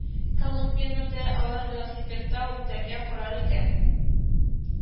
Колумбияне дә алар велосипедта үтәргә карар итә